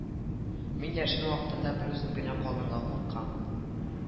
Мин яшен вакытында берүзем генә калырга куркам